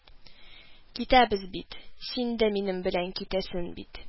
– китәбез бит, син дә минем белән китәсен бит